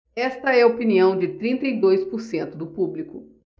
esta é a opinião de trinta e dois por cento do público